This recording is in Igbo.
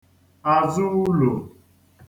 azụulò